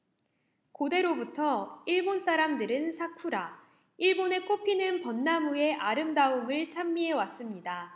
고대로부터 일본 사람들은 사쿠라 일본의 꽃피는 벚나무 의 아름다움을 찬미해 왔습니다